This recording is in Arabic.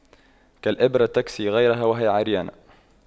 كالإبرة تكسي غيرها وهي عريانة